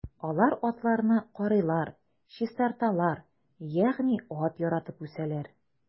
Алар атларны карыйлар, чистарталар, ягъни ат яратып үсәләр.